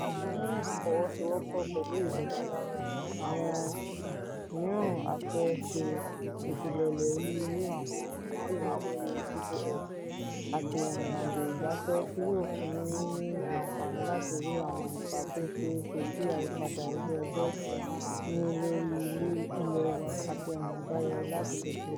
Ní ìfọwọ́sowọ̀pọ̀ pẹ̀lú ìjọba Danish àti àwọn míràn, a fẹ́ ṣe ìfilọ́lẹ̀ onírúurú àwọn ohun ìjúwe lóri Google Earth àti ìrìnàjò ìgbáfẹ́ tí yòó fún yín ní anfààní látí rí àwọn ipa tó ṣeé ṣe kí ìyípadà ojú ọjọ́ ní lórí ilẹ̀ wa àti ọ̀nà àbáyọ láti kojú rẹ̀.